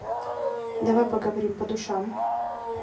давай поговорим по душам